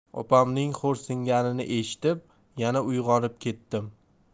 opamning xo'rsinganini eshitib yana uyg'onib ketdim